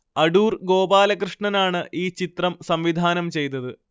അടൂർ ഗോപാലകൃഷ്ണനാണ് ഈ ചിത്രം സംവിധാനം ചെയ്തത്